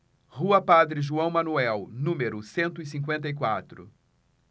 rua padre joão manuel número cento e cinquenta e quatro